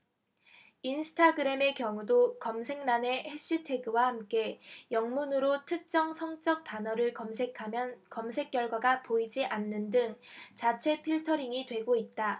인스타그램의 경우도 검색란에 해시태그와 함께 영문으로 특정 성적 단어를 검색하면 검색 결과가 보이지 않는 등 자체 필터링이 되고 있다